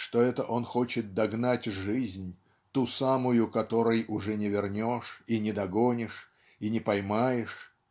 что это он хочет догнать жизнь ту самую которой уже не вернешь и не догонишь и не поймаешь